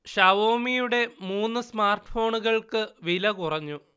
ഷാവോമിയുടെ മൂന്ന് സ്മാർട്ഫോണുകൾക്ക് വില കുറഞ്ഞു